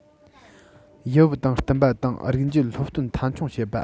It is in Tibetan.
ཡུལ བབ དང བསྟུན པ དང རིགས འབྱེད སློབ སྟོན མཐའ འཁྱོངས བྱེད པ